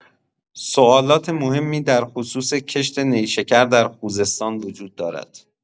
سوالات مهمی درخصوص کشت نیشکر در خوزستان وجود دارد.